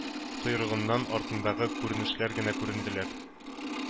Койрыгыннан артындагы күренешләр генә күренделәр.